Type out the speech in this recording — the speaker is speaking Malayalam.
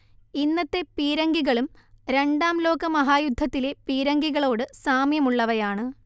ഇന്നത്തെ പീരങ്കികളും രണ്ടാം ലോകമഹായുദ്ധത്തിലെ പീരങ്കികളോട് സാമ്യമുള്ളവയാണ്